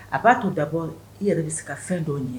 A ba to d'accord i yɛrɛ bi se ka fɛn dɔw ɲi